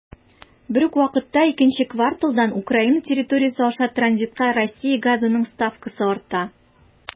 Бер үк вакытта икенче кварталдан Украина территориясе аша транзитка Россия газының ставкасы арта.